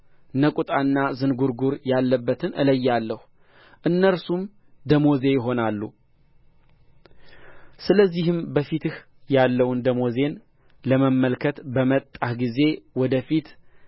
ነቍጣና ዝንጕርጕር ያለበቱን እለያለሁ እነርሱም ደመወዜ ይሆናሉ ስለዚህም በፊትህ ያለውን ደመወዜን ለመመልከት በመጣህ ጊዜ ወደ ፊት